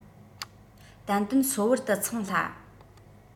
ཏན ཏན སོ བར དུ འཚང སླ